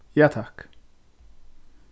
ja takk